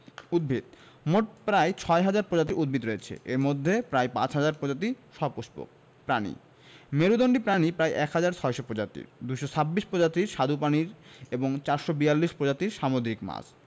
উদ্ভিদঃ মোট প্রায় ৬ হাজার প্রজাতির উদ্ভিদ রয়েছে এর মধ্যে প্রায় ৫ হাজার প্রজাতি সপুষ্পক প্রাণীঃ মেরুদন্ডী প্রাণী প্রায় ১হাজার ৬০০ প্রজাতির ২২৬ প্রজাতির স্বাদু পানির এবং ৪৪২ প্রজাতির সামুদ্রিক মাছ